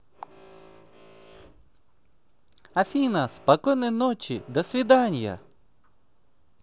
афина спокойной ночи до свидания